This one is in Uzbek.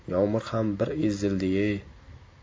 yomg'ir ham bir ezildi yey